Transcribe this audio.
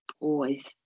Oedd.